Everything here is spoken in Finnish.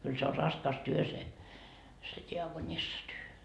kyllä se on raskas se se diakonissatyö